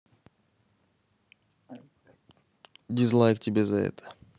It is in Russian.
дизлайк тебе за это